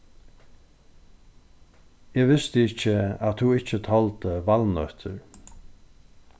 eg visti ikki at tú ikki toldi valnøtir